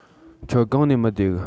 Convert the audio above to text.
ཁྱོད གང ནས མི བདེ གི